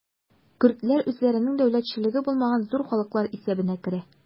Көрдләр үзләренең дәүләтчелеге булмаган зур халыклар исәбенә керә.